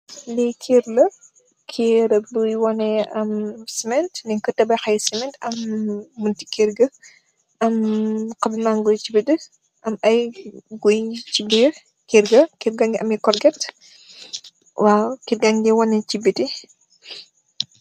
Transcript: Lii keur la. Kerr buye waneh cement. Nyung koh tabaheey cement, am bunti kerr ngua, am Kom mango yu chi biti, am ay gui chi biir, kerr ngua. Kerr gangi ameh korget, waaw! Kerr ngaa ngee waneh chi biti.